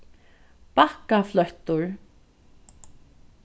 bakkafløttur